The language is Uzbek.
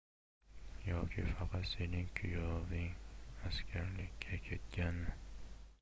yoki faqat sening kuyoving askarlikka ketganmi